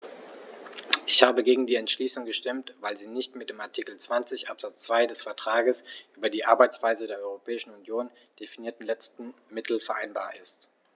Ich habe gegen die Entschließung gestimmt, weil sie nicht mit dem in Artikel 20 Absatz 2 des Vertrags über die Arbeitsweise der Europäischen Union definierten letzten Mittel vereinbar ist.